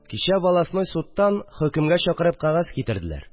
Кичә волостной судтан, хөкемгә чакырып, кәгазь китерделәр.